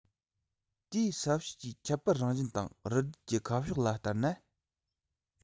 དེའི ས གཤིས ཀྱི ཁྱད པར རང བཞིན དང རི རྒྱུད ཀྱི ཁ ཕྱོགས ལ ལྟར ན